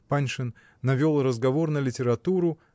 Паншин навел разговор на литературу